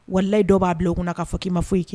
Wallahi dɔw b'a bila u kuna k'a fɔ k'i ma foyi kɛ